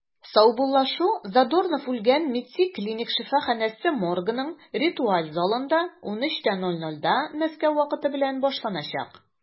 Саубуллашу Задорнов үлгән “МЕДСИ” клиник шифаханәсе моргының ритуаль залында 13:00 (мск) башланачак.